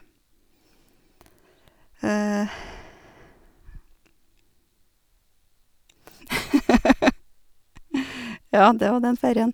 Ja, det var den ferien.